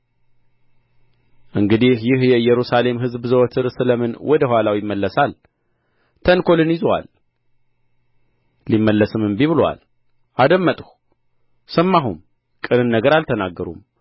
እንግዲህ ይህ የኢየሩሳሌም ሕዝብ ዘወትር ስለ ምን ወደ ኋላው ይመለሳል ተንኰልን ይዞአል ሊመለስም እንቢ ብሎአል አደመጥሁ ሰማሁም ቅንን ነገር አልተናገሩም